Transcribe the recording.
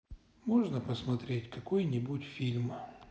можно посмотреть какой нибудь фильм